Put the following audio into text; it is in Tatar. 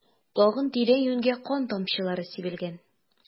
Тагын тирә-юньгә кан тамчылары сибелгән.